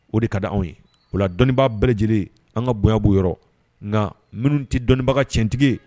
O de ka di anw ye walasa dɔnniibaa bɛɛ lajɛlen an ka bonyabu yɔrɔ nka minnu tɛ dɔnnibaga cɛntigi